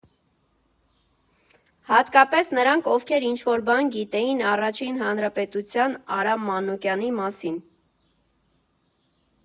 Հատկապես նրանք, ովքեր ինչ֊որ բան գիտեին Առաջին Հանրապետության Արամ Մանուկյանի մասին։